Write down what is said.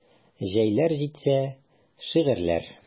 Җәйләр җитсә: шигырьләр.